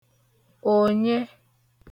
ònye